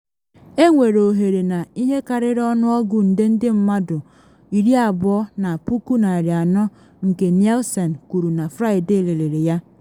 Enwere ohere na ihe karịrị ọnụọgụ nde ndị mmadụ 20.4 nke Nielsen kwuru na Friday lelere ya.